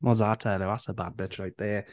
What's that 'en? That's the bad bitch right there.